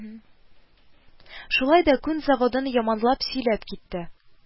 Шулай да күн заводын яманлап сөйләп китте: